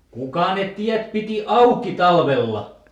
kuka ne tiet piti auki talvella